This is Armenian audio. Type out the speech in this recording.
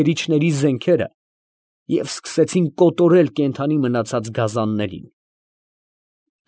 Գերիչների զենքերը և սկսեցին կոտորել կենդանի մնացած գազաններին։